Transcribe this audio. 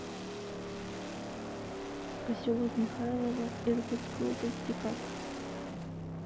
поселок михайлова иркутской области как